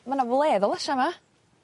...ma 'na wledd o lysia 'ma!